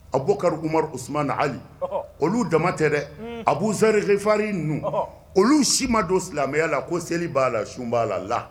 A bɔ kakuru usumana na ali olu dama tɛ dɛ a b'u serifari ninnu olu si ma don silamɛya la ko seli b'a la sun b'a la la